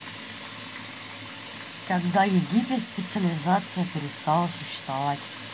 когда египет специализация перестала существовать